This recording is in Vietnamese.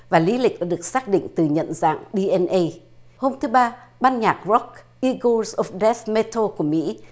và lý lịch và được xác định từ nhận dạng đi en ây hôm thứ ba ban nhạc rốc i gu ơ đét mi thu của mỹ